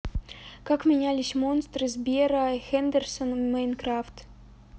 как менялись монстры сбера хендерсон в minecraft